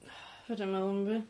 Fedrai'm me'wl 'im by'.